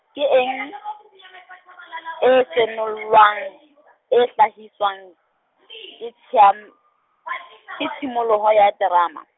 ke eng, e senolwang, e hlahiswang ke tshiam-, ke tshimoloho ya terama.